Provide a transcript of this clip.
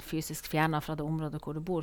Fysisk fjerna fra det området hvor du bor.